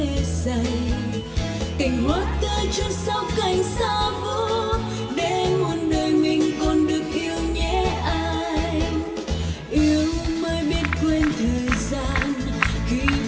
say cành hoa tươi chôn sâu cành xa vút để muôn đời mình còn được yêu nhé anh yêu mới biết quên thời gian khi